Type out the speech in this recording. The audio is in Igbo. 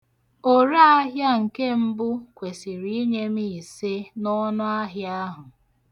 Oraahịa nke mbụ kwere inye m ise n'ọnụahịa ahụ.